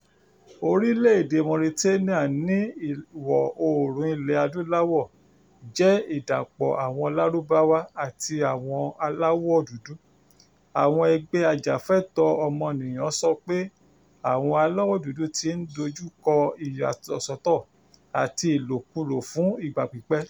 Orílẹ̀-èdè Mauritania ti Ìwọ̀-oòrùn Ilẹ̀-Adúláwọ̀ jẹ́ ìdàpọ̀ àwọn Lárúbáwá àti àwọn aláwọ̀ dúdú, àwọn ẹgbẹ́ ajàfẹ́tọ̀ọ́ ọmọnìyàn sọ pé àwọn aláwọ̀ dúdú ti ń dojúkọ ìyàsọ́tọ̀ àti ìlòkulò fún ìgbà pípẹ́.